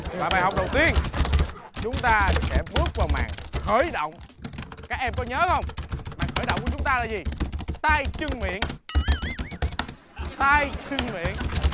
và bài học đầu tiên chúng ta sẽ bước vào màn khởi động các em có nhớ hông màn khởi động của chúng ta là gì tay chân miệng tay chân miệng